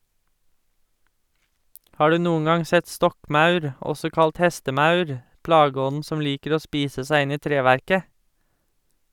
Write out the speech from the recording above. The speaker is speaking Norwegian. Har du noen gang sett stokkmaur, også kalt hestemaur, plageånden som liker å spise seg inn i treverket?